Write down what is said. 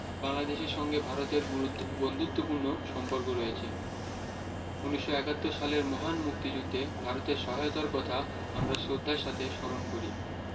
বাংলাদেশের সঙ্গে ভারতের গুরুত বন্ধুত্তপূর্ণ সম্পর্ক রয়ছে ১৯৭১ সালের মহান মুক্তিযুদ্ধে ভারতের সহায়তার কথা আমরা শ্রদ্ধার সাথে স্মরণ করি